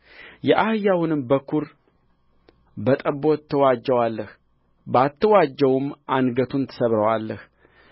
የአህያውንም በኵር በጠቦት ትዋጀዋለህ ባትዋጀውም አንገቱን ትሰብረዋለህ